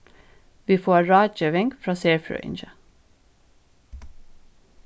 vit fáa ráðgeving frá serfrøðingi